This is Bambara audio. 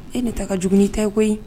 E ne taa ka jugun tɛ ye koyi